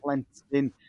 bo' plentyn